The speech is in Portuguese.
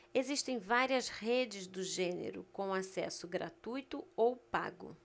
existem várias redes do gênero com acesso gratuito ou pago